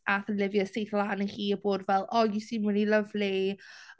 Aeth Olivia syth lan i hi a bod fel, "Oh you seem really lovely..."